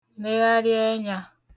negharị ẹnyā